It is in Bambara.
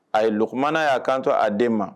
A ye lkumana y'a kanto a den ma